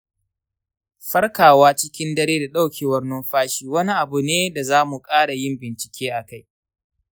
farkawa cikin dare da ɗaukewar numfashi wani abu ne da za mu ƙara yin bincike akai